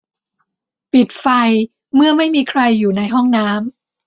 ปิดไฟเมื่อไม่มีใครอยู่ในห้องน้ำ